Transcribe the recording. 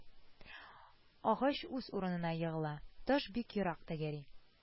Агач үз урынына егыла, таш бик ерак тәгәри